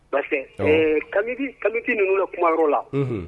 Basi kami kamiti ninnu yɛrɛ kumayɔrɔ la